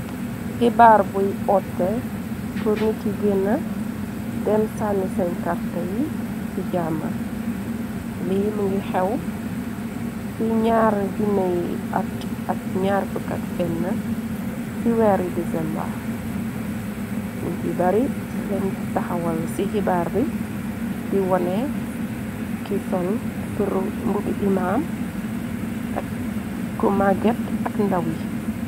Xibaar buy otte purnit yi genna dem sanni seen karta yi ci jamma lii m ngi xew ci 200 at ak21 ci weeri dizemba nit yi bari lañ daxawal ci xibaar bi di wone kisol bubi imaam ak kumaget ak ndaw yi.